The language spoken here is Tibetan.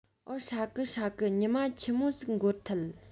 འོ ཧྲ གི ཧྲ གི ཉི མ ཆི མོ ཟིག འགོར ཐལ